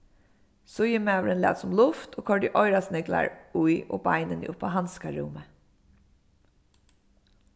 síðumaðurin lat sum luft og koyrdi oyrasniglar í og beinini upp á handskarúmið